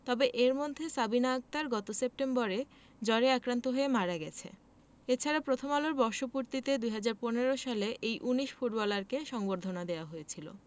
তবে এর মধ্যে সাবিনা আক্তার গত সেপ্টেম্বরে জ্বরে আক্রান্ত হয়ে মারা গেছে এ ছাড়া প্রথম আলোর বর্ষপূর্তিতে ২০১৫ সালে এই ১৯ ফুটবলারকে সংবর্ধনা দেওয়া হয়েছিল